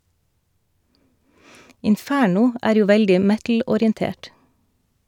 - Inferno er jo veldig metalorientert.